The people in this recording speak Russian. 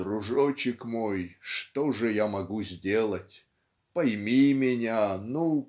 "Дружочек мой, что же я могу сделать! Пойми меня! Ну